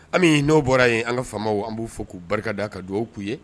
An no bɔra yen an ka faamaw an b' fɔ k'u barika da ka dugawu aw'u ye